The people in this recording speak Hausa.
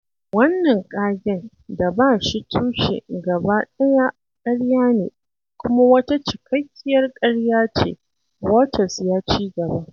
Wannan ƙagen da ba shi tushe gaba ɗaya ƙarya ne kuma wata cikekkiyar ƙarya ce, Waters ya ci gaba.